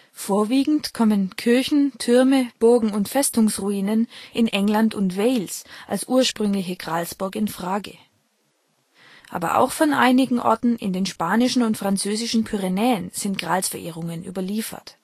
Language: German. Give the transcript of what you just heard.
Vorwiegend kommen Kirchen, Türme, Burgen und Festungsruinen in England und Wales als ursprüngliche Gralsburg in Frage, aber auch von einigen Orten in den spanischen und französischen Pyrenäen sind Gralsverehrungen überliefert